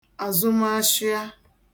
àzụmashịa